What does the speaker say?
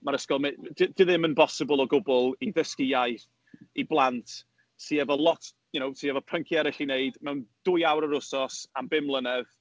Ma'r ysgol yn my-... 'di dio ddim yn bosibl o gwbl i ddysgu iaith i blant sy efo lot, you know, sy efo pynciau eriall i wneud, mewn dwy awr yr wsos am bum mlynedd.